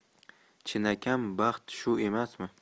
chinakam baxt shu emasmi